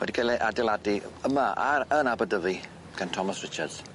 Wedi cael ei adeiladu yma ar yn Aberdyfi gan Thomas Richards.